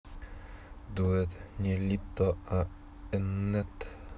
дуэт нилетто и annet